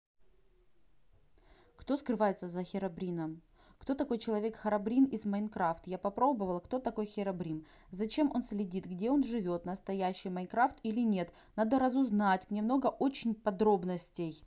кто скрывается за херобрином кто такой человек харабрин из minecraft я попробовал кто такой херобрин зачем он следит где он живет настоящий minecraft или нет надо разузнать мне много очень подробностей